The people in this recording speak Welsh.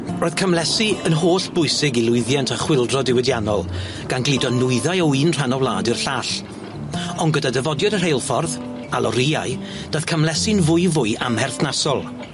Roedd camlesu yn hollbwysig i lwyddiant y chwyldro diwydiannol gan gludo nwyddau o un rhan o wlad i'r llall ond gyda dyfodiad y rheilffordd, a lorïau dath camlesu'n fwy fwy amherthnasol.